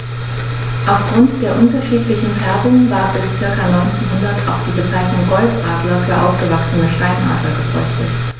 Auf Grund der unterschiedlichen Färbung war bis ca. 1900 auch die Bezeichnung Goldadler für ausgewachsene Steinadler gebräuchlich.